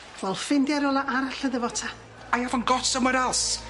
Wel ffindia rywle arall iddo fo ta? I aven't got somewhere else.